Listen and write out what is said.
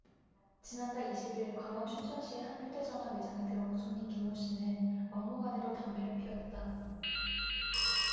지난달 이십 일 강원 춘천시의 한 휴대전화 매장에 들어온 손님 김모 씨는 막무가내로 담배를 피웠다